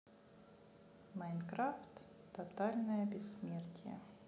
майнкрафт тотальное бессмертия